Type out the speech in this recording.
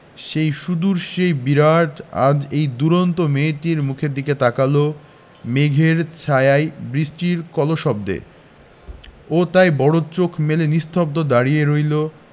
সেই সুদূর সেই বিরাট আজ এই দুরন্ত মেয়েটির মুখের দিকে তাকাল মেঘের ছায়ায় বৃষ্টির কলশব্দে ও তাই বড় বড় চোখ মেলে নিস্তব্ধ দাঁড়িয়ে রইল